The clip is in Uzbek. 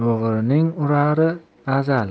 o'g'rining urari azali